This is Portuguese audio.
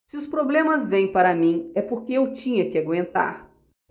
se os problemas vêm para mim é porque eu tinha que aguentar